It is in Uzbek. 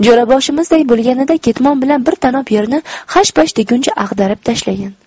jo'raboshimizday bo'lganida ketmon bilan bir tanob yerni hashpash deguncha ag'darib tashlagan